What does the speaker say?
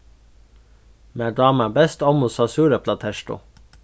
mær dámar best ommusa súreplatertu